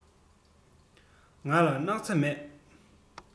ང ལ སྣག ཚ མེད